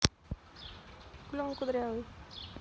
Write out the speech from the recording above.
клен кудрявый